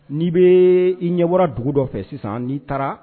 N'i bee i ɲɛbɔra dugu dɔ fɛ sisan n'i taara